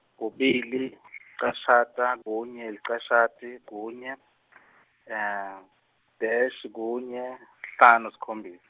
kubili cashata kunye licashati kunye, dash kunye sihlanu sikhombis-.